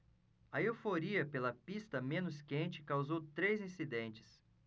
a euforia pela pista menos quente causou três incidentes